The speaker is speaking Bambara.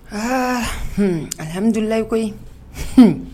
Aa alihammidulilayi koyi